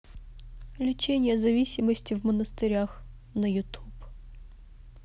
лечение зависимости в монастырях на ютуб